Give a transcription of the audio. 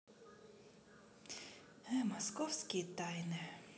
московские тайны